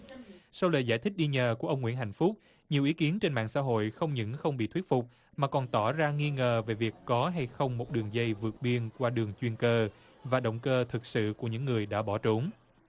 sau lời giải thích đi nhờ của ông nguyễn hạnh phúc nhiều ý kiến trên mạng xã hội không những không bị thuyết phục mà còn tỏ ra nghi ngờ về việc có hay không một đường dây vượt biên qua đường chuyên cơ và động cơ thực sự của những người đã bỏ trốn